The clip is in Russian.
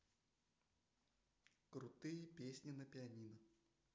крутые песни на пианино